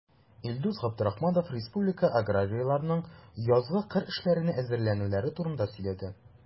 Илдус Габдрахманов республика аграрийларының язгы кыр эшләренә әзерләнүләре турында сөйләде.